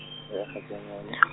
ee ga ke a nyala.